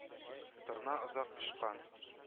Торна озак очкан